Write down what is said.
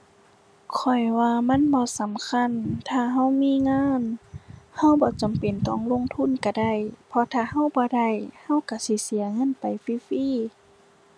ข้อยว่ามันบ่สำคัญ ถ้าเรามีงานเราบ่จำเป็นต้องลงทุนเราได้ เพราะถ้าเราบ่ได้ เราเราสิเสียเงินไปฟรีฟรี